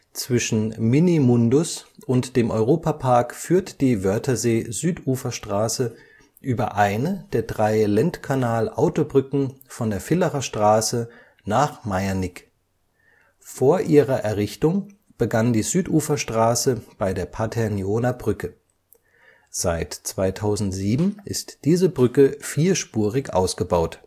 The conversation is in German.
Zwischen Minimundus und dem Europapark führt die Wörthersee-Süduferstraße über eine der drei Lendkanal-Autobrücken von der Villacher Straße nach Maiernigg. Vor ihrer Errichtung begann die Süduferstraße bei der Paternioner Brücke. Seit 2007 ist diese Brücke vierspurig ausgebaut